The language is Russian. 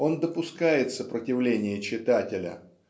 Он допускает сопротивление читателя